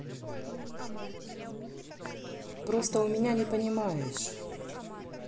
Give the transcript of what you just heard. просто у меня не понимаешь